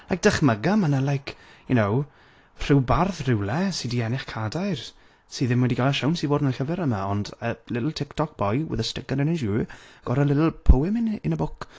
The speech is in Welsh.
Like, dychmyga, ma' 'na like you know, rhyw bardd rywle sy 'di ennill cadair, sy ddim wedi cael y siawns i fod yn y llyfr yma. Ond yy little TikTok boy with a sticker in his ear, got a little poem in in a book.